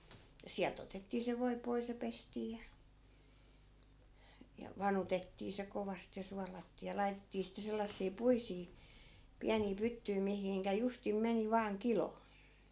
ja sieltä otettiin se voi pois ja pestiin ja ja vanutettiin se kovasti ja suolattiin ja laitettiin sitten sellaisia puisia pieniä pyttyjä mihin justiin meni vain kilo